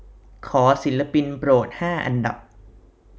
ขอศิลปินโปรดห้าอันดับ